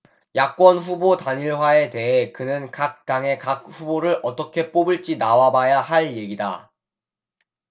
야권후보 단일화에 대해 그는 각당의 각 후보를 어떻게 뽑을지 나와봐야 할 얘기다